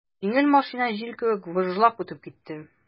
Җиңел машина җил кебек выжлап үтеп китте.